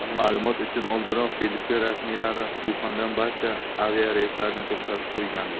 ma'lumot uchun oldinroq filippin rasmiylari uxandan barcha aviareyslarni to'xtatib qo'ygandi